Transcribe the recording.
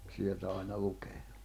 sieltä aina lukemaan